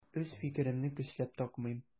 Үз фикеремне көчләп такмыйм.